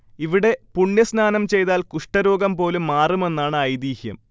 ഇവിടെ പുണ്യസ്നാനം ചെയ്താൽ കുഷ്ഠരോഗം പോലും മാറുമെന്നാണ് ഐതീഹ്യം